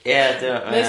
Ie diolch.